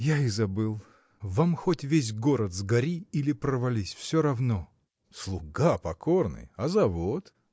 – Я и забыл: вам хоть весь город сгори или провались – все равно! – Слуга покорный! а завод?